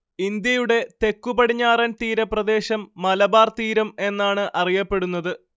ഇന്ത്യയുടെ തെക്കുപടിഞ്ഞാറൻ തീരപ്രദേശം മലബാർ തീരം എന്നാണ് അറിയപ്പെടുന്നത്